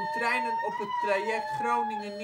treinen op het traject Groningen